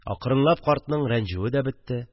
Акрынлап картның рәнҗүе дә бетте